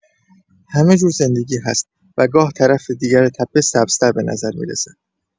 همه‌جور زندگی هست، و گاه طرف دیگر تپه سبزتر به نظر می‌رسد.